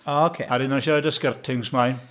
OK... A wedyn oedd isie rhoi y skirtings 'mlaen.